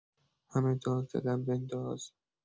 همه داد زدن بنداز.